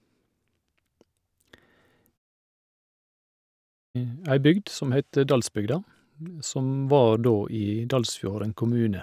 ei bygd som heter Dalsbygda, som var da i Dalsfjorden kommune.